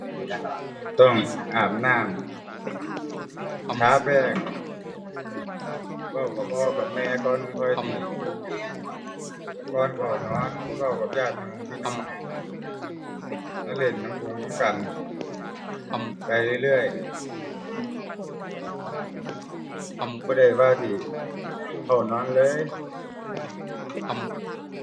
ต้องอาบน้ำ ทาแป้ง เว้ากับพ่อกับแม่ก่อนค่อยสิ ก่อนเข้านอนเว้ากับญาติพี่นุ่งพี่น้อง มาเล่นนำกงนำกันไปเรื่อยเรื่อย บ่ได้ว่าสิเข้านอนเลย